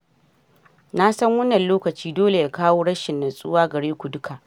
Na san wannan lokaci dole ya kawo rashin natsuwa gare ku duka.